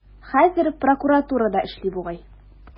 Хәзер прокуратурада эшли бугай.